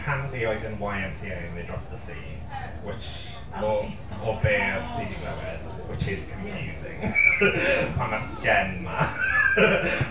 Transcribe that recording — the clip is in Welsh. Apparently oedd e'n YMCA and they dropped the C which... O diddorol. ...O be ydw i 'di glywed. Which is amazing ond achos bod y Gen yma .